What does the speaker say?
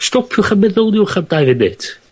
stopiwch a meddyliwch amdani mêt.